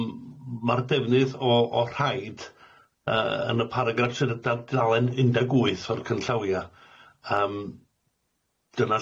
Yym ma'r defnydd o o rhaid yy yn y paragraff sydd ar dy- dalen un deg wyth o'r cynllawia yym dyna lle ma'n ca'l 'i weld.